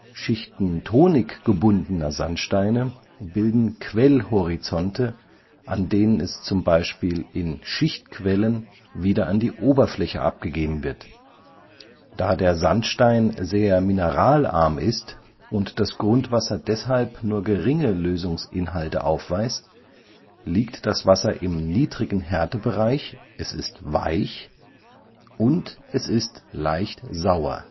Schichten tonig gebundener Sandsteine bilden Quellhorizonte, an denen es z. B. in Schichtquellen wieder an die Oberfläche abgegeben wird. Da der Sandstein sehr mineralarm ist und das Grundwasser deshalb nur geringe Lösungsinhalte aufweist, liegt das Wasser im niedrigen Härtebereich (weich) und ist leicht sauer